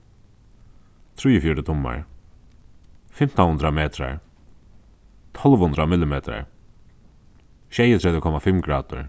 trýogfjøruti tummar fimtan hundrað metrar tólv hundrað millimetrar sjeyogtretivu komma fimm gradir